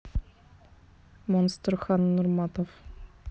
monster хан нурматов